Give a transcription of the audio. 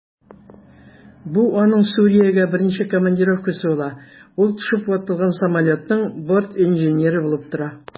Бу аның Сүриягә беренче командировкасы була, ул төшеп ватылган самолетның бортинженеры булып тора.